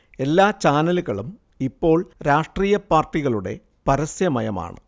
എല്ലാ ചാനലുകളും ഇപ്പോൾ രാഷ്ട്രീയ പാർട്ടികളുടെ പരസ്യ മയമാണ്